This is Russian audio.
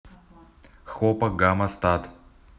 хопа гамо стат